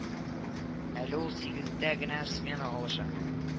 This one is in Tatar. Әле ул сигездә генә смена алыша